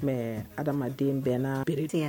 Ɛɛ Adamaden bɛɛ na tere don.